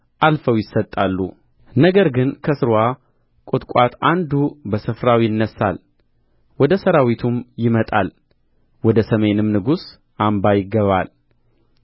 አልፈው ይሰጣሉ ነገር ግን ከሥርዋ ቍጥቋጥ አንዱ በስፍራው ይነሣል ወደ ሠራዊቱም ይመጣል ወደ ሰሜንም ንጉሥ አምባ ይገባል